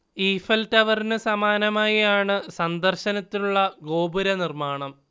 Eiffel ടവറിനു സമാനമായി ആണ് സന്ദര്ശനത്തിനുള്ള ഗോപുര നിർമാണം